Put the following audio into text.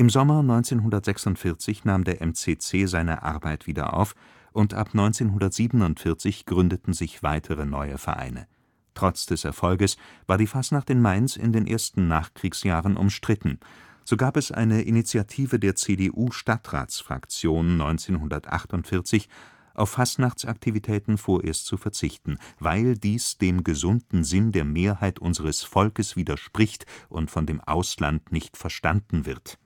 Sommer 1946 nahm der MCC seine Arbeit wieder auf, und ab 1947 gründeten sich weitere neue Vereine. Trotz des Erfolges war die Fastnacht in Mainz in den ersten Nachkriegsjahren umstritten. So gab es eine Initiative der CDU-Stadtratsfraktion 1948, auf Fastnachtsaktivitäten vorerst zu verzichten, „ weil dies dem gesunden Sinn der Mehrheit unseres Volkes widerspricht und von dem Ausland nicht verstanden wird